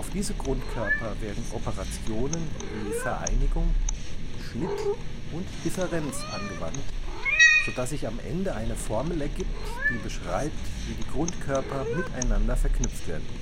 diese Grundkörper werden Operationen wie Vereinigung, Schnitt und Differenz angewandt, sodass sich am Ende eine Formel ergibt, die beschreibt, wie die Grundkörper miteinander verknüpft werden